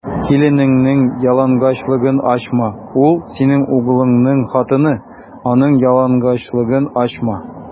Киленеңнең ялангачлыгын ачма: ул - синең углыңның хатыны, аның ялангачлыгын ачма.